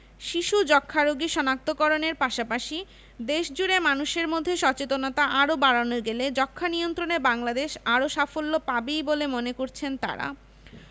শিশু যক্ষ্ণারোগী শনাক্ত করণের পাশাপাশি দেশজুড়ে মানুষের মধ্যে সচেতনতা আরও বাড়ানো গেলে যক্ষ্মানিয়ন্ত্রণে বাংলাদেশ আরও সাফল্য পাবেই বলে মনে করছেন তারা